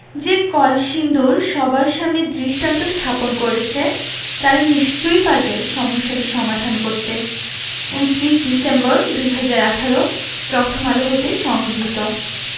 যে কলসিন্দুর সবার সামনে দৃষ্টান্ত স্থাপন করেছে তারা নিশ্চয়ই পারবে সমস্যাটার সমাধান করতে ২৯ ডিসেম্বর ২০১৮ প্রথম আলো হতে সংগৃহীত